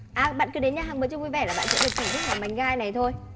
à bạn cứ đến nhà hàng bữa trưa vui vẻ là bạn sẽ được thưởng thức món bánh gai này thôi